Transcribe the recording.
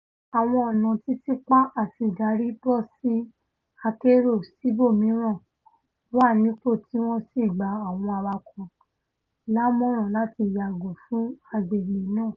Àwọn ọ̀nà títìpa àti ìdarí bọ́ọ̀sì-akérò síbòmíràn wá nípò tí wọ́n sì gba àwọn awakọ̀ lámọ̀ràn láti yàgò fún agbègbè̀̀ náà.